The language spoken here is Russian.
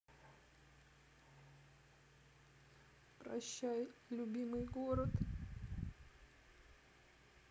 прощай любимый город